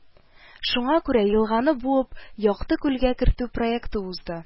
Шуңа күрә елганы буып, Якты күлгә кертү проекты узды